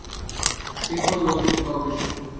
цыпа ловит бабочку